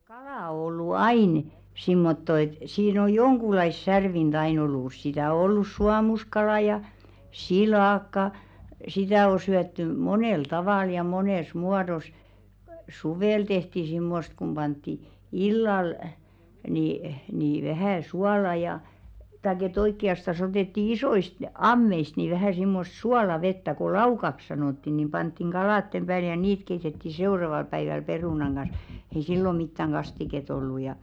kala on ollut aina semmottoon että siinä on jonkunlaista särvintä aina ollut sitä on ollut suomuskala ja silakka sitä on syöty monella tavalla ja monessa muodossa suvella tehtiin semmoista kun pantiin illalla niin niin vähän suolaa ja tai että oikeastaan otettiin isoista ammeista niin vähän semmoista suolavettä kun laukaksi sanottiin niin pantiin kalojen päälle ja niitä keitettiin seuraavalla päivällä perunan kanssa ei silloin mitään kastiketta ollut ja